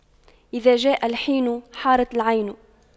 إذا جاء الحين حارت العين